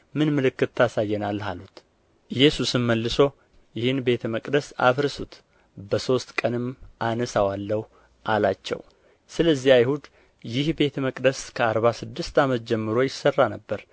ምን ምልክት ታሳየናለህ አሉት ኢየሱስም መልሶ ይህን ቤተ መቅደስ አፍርሱት በሦስት ቀንም አነሣዋለሁ አላቸው ስለዚህ አይሁድ ይህ ቤተ መቅደስ ከአርባ ስድስት ዓመት ጀምሮ ይሠራ ነበር